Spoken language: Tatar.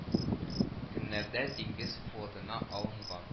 Көннәрдә диңгез флотына алынган